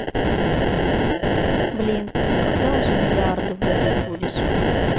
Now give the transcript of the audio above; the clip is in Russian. блин когда уже миллиарды владеть будешь